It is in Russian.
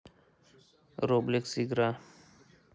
роблекс игра